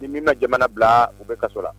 Di'mi ma jamana bila u bɛ kaso la